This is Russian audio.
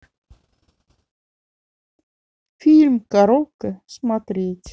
фильм коробка смотреть